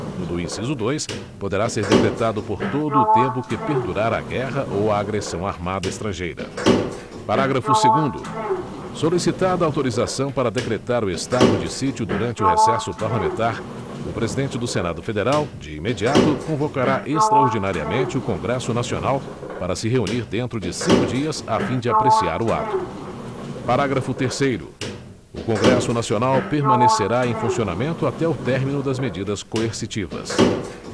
no do inciso dois poderá ser decretado por todo o tempo que perdurar a guerra ou a agressão armada estrangeira parágrafo segundo solicitada autorização para decretar o estado de sítio durante o recesso parlamentar o presidente do senado federal de imediato convocará extraordinariamente o congresso nacional para se reunir dentro de cinco dias a fim de apreciar o ato parágrafo terceiro o congresso nacional permanecerá em funcionamento até o término das medidas coercitivas